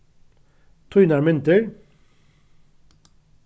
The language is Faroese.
tínar myndir